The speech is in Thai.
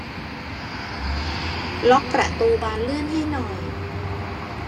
ล็อกประตูบานเลื่อนให้หน่อย